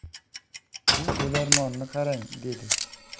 bu o'larmonni qarang dedi